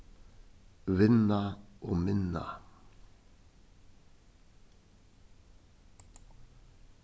vinna og minna